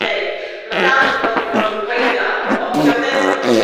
deud ma' dal yn rwbath dwi'n gorfod gweithio arno fo, 'di o ddim yn rhwbath sydd